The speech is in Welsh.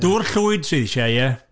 Dŵr llwyd sydd isie, ie?